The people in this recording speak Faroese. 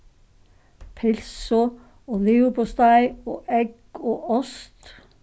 pylsu og livurpostei og egg og ost